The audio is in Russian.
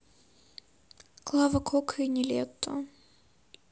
клава кока и нелетто